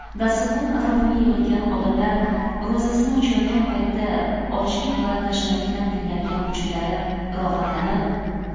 dasturxon atrofiga yig'ilgan odamlar ro'zasini ochayotgan paytda ochlik va tashnalikdan qiynalgan vujudlari rohatlanib